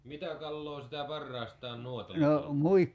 mitä kalaa sitä parhaastaan nuotalla tulee